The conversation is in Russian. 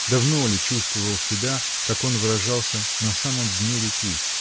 давно ли чувствовал себя, как он выражался, на самом дне реки?